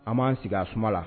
An b'an sigi a suma la